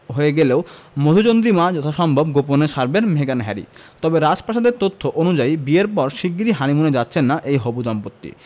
হয়ে গেলেও মধুচন্দ্রিমা যথাসম্ভব গোপনেই সারবেন মেগান হ্যারি তবে রাজপ্রাসাদের তথ্য অনুযায়ী বিয়ের পর শিগগিরই হানিমুনে যাচ্ছেন না এই হবু দম্পত্তি